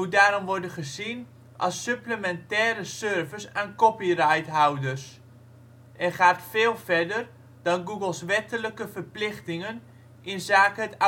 daarom worden gezien als supplementaire service aan copyrighthouders, en gaat veel verder dan Googles wettelijke verplichtingen inzake het